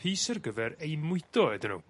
pys ar gyfer eu mwydo ydyn n'w.